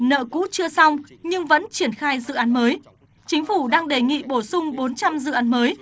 nợ cũ chưa xong nhưng vẫn triển khai dự án mới chính phủ đang đề nghị bổ sung bốn trăm dự án mới